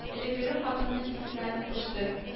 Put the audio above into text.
Элеккеге хатыны исенә төште